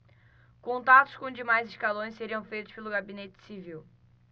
contatos com demais escalões seriam feitos pelo gabinete civil